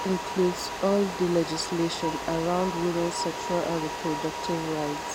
This includes all the legislation around women’s sexual and reproductive rights.